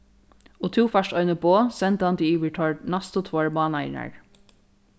og tú fært eini boð sendandi yvir teir næstu tveir mánaðirnar